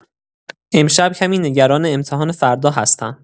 امشب کمی نگران امتحان فردا هستم.